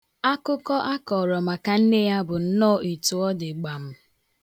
Akụkọ akọrọ maka nne ya bụ nnọọ etu ọ dị gbam.